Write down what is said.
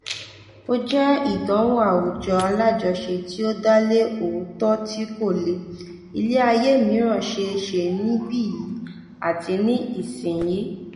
Ó jẹ́ ìdánwò àwùjọ, alájọṣe tí ó dá lé òótọ́ tí kò le: ilé ayé mìíràn ṣeéṣe, níbí yìí àti ní ìsinyìí.